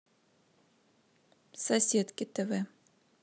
соседки тв